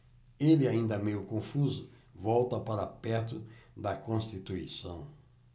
ele ainda meio confuso volta para perto de constituição